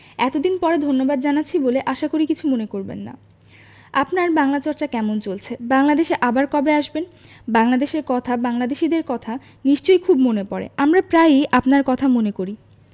এতদিন পরে ধন্যবাদ জানাচ্ছি বলে আশা করি কিছু মনে করবেন না আপনার বাংলা চর্চা কেমন চলছে বাংলাদেশে আবার কবে আসবেন বাংলাদেশের কথা বাংলাদেশীদের কথা নিশ্চয় খুব মনে পরে আমরা প্রায়ই আপনারর কথা মনে করি